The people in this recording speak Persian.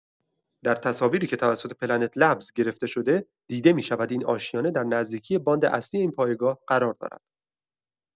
در تصاویری که توسط پلنت لبز گرفته‌شده دیده می‌شود این آشیانه در نزدیکی باند اصلی این پایگاه قرار دارد.